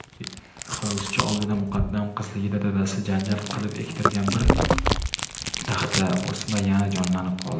hovuzcha oldida muqaddam qizligida dadasiga janjal qilib ektirgan bir taxta o'sma yana jonlanib qoldi